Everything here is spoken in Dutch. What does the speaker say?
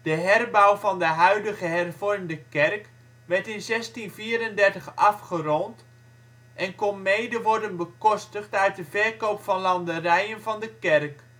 herbouw van de huidige hervormde kerk werd in 1634 afgerond en kon mede worden bekostigd uit de verkoop van landerijen van de kerk